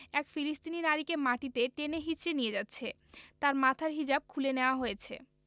এক ফিলিস্তিনি নারীকে মাটিতে টেনে হেঁচড়ে নিয়ে যাচ্ছে তার মাথার হিজাব খুলে নেওয়া হয়েছে